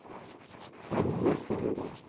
Һәммәсен дә.